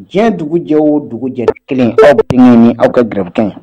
Diɲɛ dugujɛ o dugujɛ kelen aw bɛ ni aw ka garikan